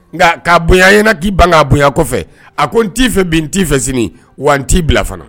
Nka k'a bonya ɲɛna k'i ban ka bonya a kɔfɛ, a ko n t'i fɛ bi n t'i fɛ sini wa n t'i bila fana.